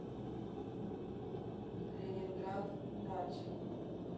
ленинград дача